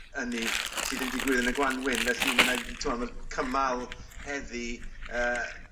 ynny sydd yn digwydd yn y Gwanwyn felly ma' 'na t'mod ma' cymal heddi yy